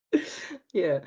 Ie.